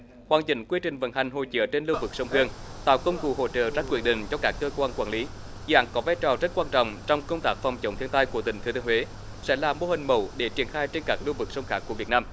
hoàn chỉnh quy trình vận hành hồ chứa trên lưu vực sông hương tạo công cụ hỗ trợ ra quyết định cho các cơ quan quản lý dự án có vai trò rất quan trọng trong công tác phòng chống thiên tai của tỉnh thừa thiên huế sẽ là mô hình mẫu để triển khai trên các lưu vực sông khác của việt nam